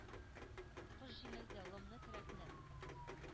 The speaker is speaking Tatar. Кыш җиңелде. Ломны, көрәкне